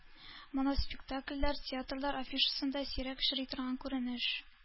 Моноспектакльләр - театрлар афишасында сирәк очрый торган күренеш.